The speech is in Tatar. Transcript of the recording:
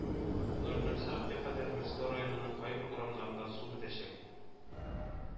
Ноль ноль сәгатькә кадәр мәскәү районының кайбер урамнарында су бетәчәк